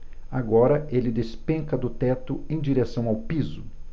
agora ele despenca do teto em direção ao piso